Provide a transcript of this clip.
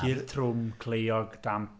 Tir trwm, cleog, damp.